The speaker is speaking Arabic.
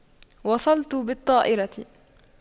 وصلت بالطائرة